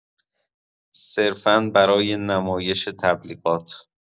صرفا برای نمایش تبلیغات